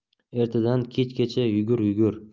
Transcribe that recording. ertadan kechgacha yugur yugur